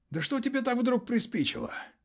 -- Да что тебе так вдруг приспичило?